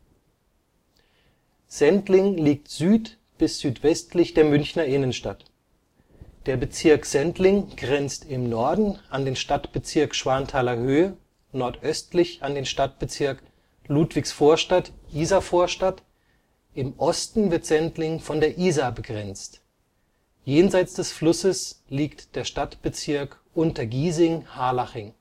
Sendling liegt süd - bis südwestlich der Münchner Innenstadt. Der Bezirk Sendling grenzt im Norden an den Stadtbezirk Schwanthalerhöhe, nordöstlich an den Stadtbezirk Ludwigsvorstadt-Isarvorstadt, im Osten wird Sendling von der Isar begrenzt, jenseits des Flusses liegt der Stadtbezirk Untergiesing-Harlaching